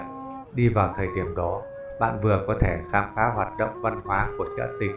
đi vào thời điểm đó bạn vừa có thể khám phá hoạt động văn hóa của chợ tình